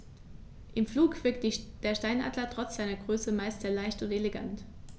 Im Flug wirkt der Steinadler trotz seiner Größe meist sehr leicht und elegant.